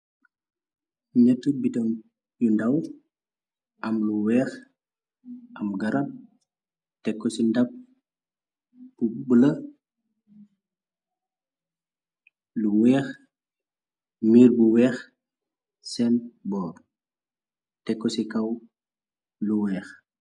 Nyetti bidong yu ndaw am lu weex am garap té ko ci ndap bula lu weex miir bu weex seen boor té ko ci kaw lu weex.